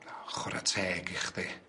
Chwara teg i chdi.